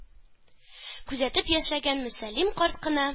Күзәтеп яшәгән мөсәллим карт кына